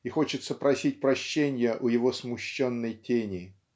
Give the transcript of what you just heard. и хочется просить прощенья у его смущенной тени.